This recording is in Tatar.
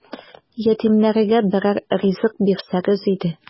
Ятимнәргә берәр ризык бирсәгез иде! ..